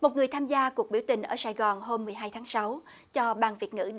một người tham gia cuộc biểu tình ở sài gòn hôm mười hai tháng sáu cho ban việt ngữ